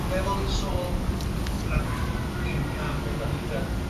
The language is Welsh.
Fel o'n i'n sôn, a dwn i'm pam ond 'dan ni fel